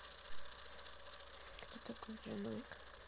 кто такой джон уик